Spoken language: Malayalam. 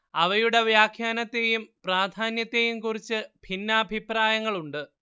അവയുടെ വ്യാഖ്യാനത്തേയും പ്രാധാന്യത്തേയും കുറിച്ച് ഭിന്നാഭിപ്രായങ്ങളുണ്ട്